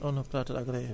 un opérateur agréé